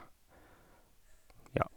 Ja.